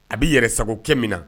A bɛ yɛrɛ sago kɛ min na